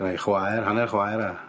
gennai chwaer hanner chwaer a